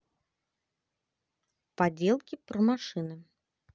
поделки про машины